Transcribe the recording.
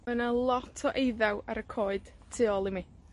Ma' 'na lot o eiddew ar y coed tu ôl i mi.